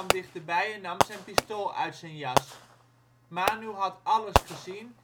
dichterbij en nam zijn pistool uit zijn jas. Manu had alles gezien